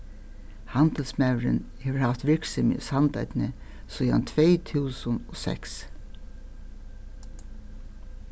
handilsmaðurin hevur havt virksemi í sandoynni síðani tvey túsund og seks